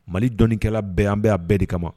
Mali dɔnkɛla bɛɛ yan bɛɛ bɛɛ de kama